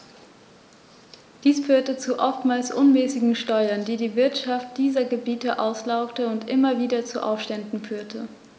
Dies führte zu oftmals unmäßigen Steuern, die die Wirtschaft dieser Gebiete auslaugte und immer wieder zu Aufständen führte.